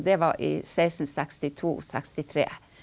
det var i 1662 sekstitre.